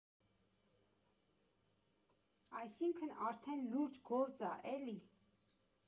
Այսինք արդեն լուրջ գործ ա, էլի։